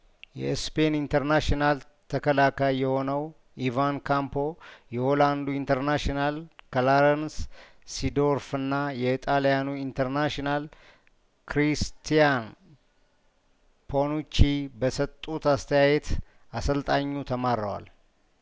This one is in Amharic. የስፔን ኢንተርናሽናል ተከላካይየሆነው ኢቫን ካምፖ የሆላንዱ ኢንተርናሽናል ክላረንስ ሲዶርፍና የጣልያኑ ኢንተርናሽናል ክሪስቲያን ፖኑቺ በሰጡት አስተያየት አሰልጣኙ ተማረዋል